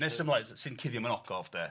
nes ymlaen sy'n cuddio mewn ogof de... Ia.